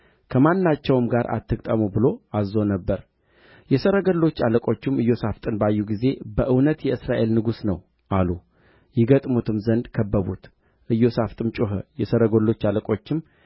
ከማናቸውም ጋር አትግጠሙ ብሎ አዝዞ ነበር የሰረገሎች አለቆችም ኢዮሣፍጥን ባዩ ጊዜ በእውነት የእስራኤል ንጉሥ ነው አሉ ይገጥሙትም ዘንድ ከበቡት ኢዮሣፍጥም ጮኸ የሰረገሎች አለቆችም